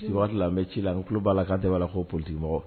Ni waati an bɛ ci la n tulo b'a la ka da b'a la ko politimɔgɔ